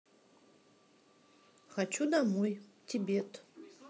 хочу домой тибет